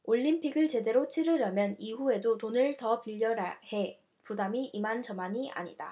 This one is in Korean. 올림픽을 제대로 치르려면 이후에도 돈을 더 빌려야 해 부담이 이만저만이 아니다